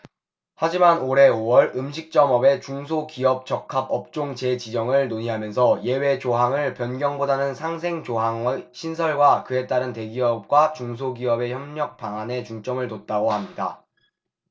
하지만 올해 오 월 음식점업의 중소기업적합업종 재지정을 논의하면서 예외조항을 변경보다는 상생 조항의 신설과 그에 따른 대기업과 중소식당의 협력 방안에 중점을 뒀다고 합니다